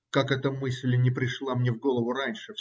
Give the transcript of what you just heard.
Как эта мысль не пришла мне в голову раньше?